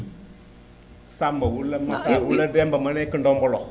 samba wala Moussa wala Demba ma nekk Ndombolox